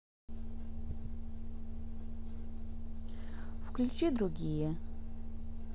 включи другие